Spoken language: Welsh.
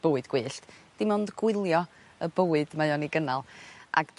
bywyd gwyllt dim ond gwylio y bywyd mae o'n 'i gynnal ag